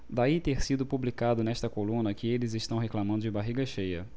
daí ter sido publicado nesta coluna que eles reclamando de barriga cheia